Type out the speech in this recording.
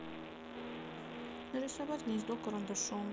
нарисовать гнездо карандашом